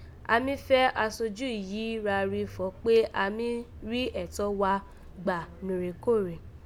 A mí fẹ́ asojú yìí ra rí fọ̀ kpé a mí rí ẹ̀tọ́ wa gba nórèkórè